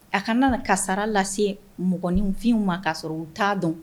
A kana nana ka sara lase mɔgɔninfinw ma k ka sɔrɔ u t'a dɔn